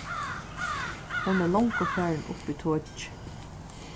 hon er longu farin upp í tokið